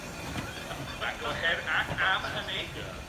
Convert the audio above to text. Ac oher- ac am hynny... Ia.